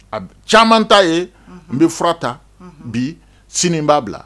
A caman ta yen n bɛ fura ta bi sini b'a bila